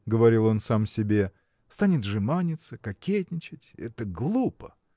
– говорил он сам себе, – станет жеманиться, кокетничать. это глупо!